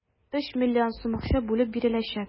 3 млн сум акча бүлеп биреләчәк.